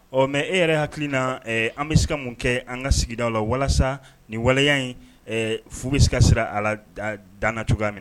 Ɔ mɛ e yɛrɛ hakiliki na an bɛ se ka mun kɛ an ka sigida la walasa ni waleya in fu bɛ se ka sira a danana cogoya minɛ